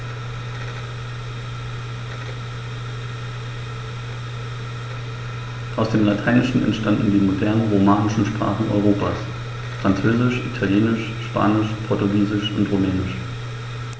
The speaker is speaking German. Aus dem Lateinischen entstanden die modernen „romanischen“ Sprachen Europas: Französisch, Italienisch, Spanisch, Portugiesisch und Rumänisch.